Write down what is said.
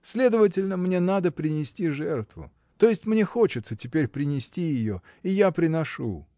Следовательно, мне надо принести жертву, то есть мне хочется теперь принести ее, и я приношу.